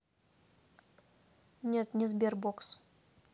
нет не sberbox